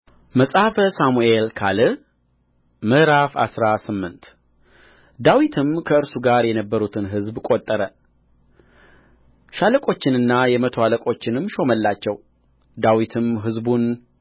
መጽሐፈ ሳሙኤል ካል ምዕራፍ አስራ ስምንት ዳዊትም ከእርሱ ጋር የነበሩትን ሕዝብ ቈጠረ ሻለቆችንና የመቶ አለቆችንም ሾመላቸው ዳዊትም ሕዝቡን